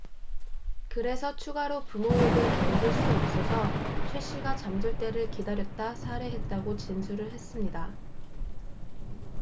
그래서 추가로 부모 욕을 견딜 수 없어서 최 씨가 잠들 때를 기다렸다 살해했다고 진술을 했습니다